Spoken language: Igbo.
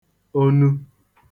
onu